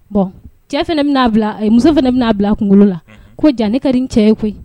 Bɔn cɛ fana bɛnaa muso fana bɛna'a bila kunkolo la ko jan ne ka nin cɛ ye koyi